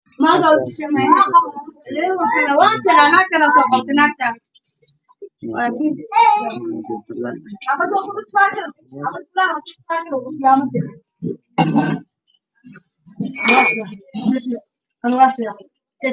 Meeshaan waxaa ka muuqdo geedo dhaadheer badan oo cagaaro oo qur-a-qurxan oo ka baxayaan meel banaan ah